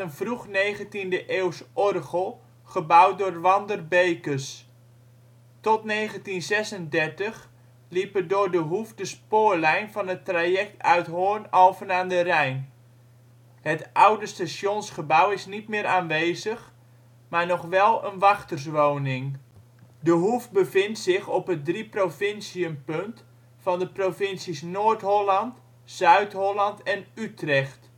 vroeg-negentiende-eeuws orgel gebouwd door Wander Beekes. Tot 1936 liep er door De Hoef de spoorlijn van het traject Uithoorn – Alphen aan den Rijn. Het oude stationsgebouw is niet meer aanwezig, maar nog wel een wachterswoning. De Hoef bevindt zich op het drieprovinciënpunt van de provincies Noord-Holland, Zuid-Holland en Utrecht